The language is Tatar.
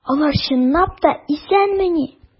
Алар чынлап та исәнмени?